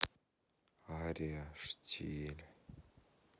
ария штиль